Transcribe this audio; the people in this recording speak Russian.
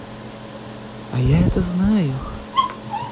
а я это знаю